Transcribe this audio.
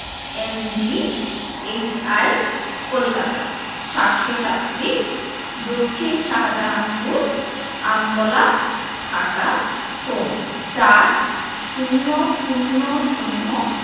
MB HI Kolkata ৭৩৭ দক্ষিন Shahjahanpur Amtala Dhaka phone ৪০০০